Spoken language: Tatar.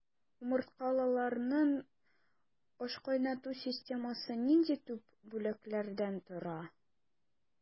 Умырткалыларның ашкайнату системасы нинди төп бүлекләрдән тора?